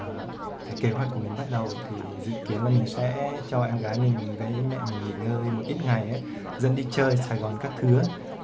kế hoạch của mình sẽ bắt đầu dự kiến mình sẽ để mẹ và em gái nghỉ ngơi ít ngày dẫn đi chơi sài gòn các thứ ấy